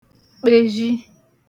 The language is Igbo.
kpezhi